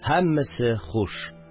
Һәммәсе, хуш